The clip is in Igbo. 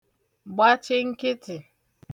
gbachi nkịtị̀